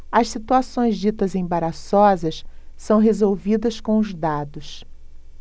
as situações ditas embaraçosas são resolvidas com os dados